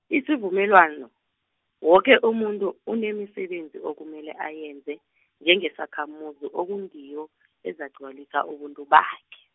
isivumelwano, woke umuntu unemisebenzi okumele ayenze, njengesakhamuzi okungiyo, ezagcwalisa ubuntu bakhe.